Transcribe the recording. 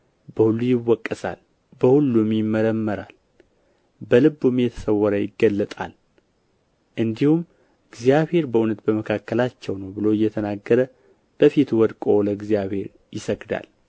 በሁሉ ይወቀሳል በሁሉም ይመረመራል በልቡም የተሰወረ ይገለጣል እንዲሁም እግዚአብሔር በእውነት በመካከላቸው ነው ብሎ እየተናገረ በፊቱ ወድቆ ለእግዚአብሔር ይሰግዳል